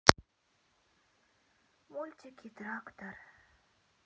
мультики трактор